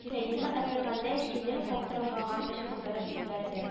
Фәимә эсселәгәндәй шинель каптырмаларын ычкындырып җибәрде